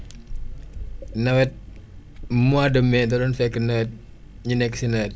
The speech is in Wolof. nawet mois de mai da doon fekk nawet ñu nekk si nawet